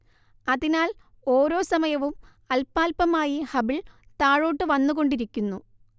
അതിനാൽ ഓരോ സമയവും അൽപാൽപമായി ഹബിൾ താഴോട്ടു വന്നുകൊണ്ടിരിക്കുന്നു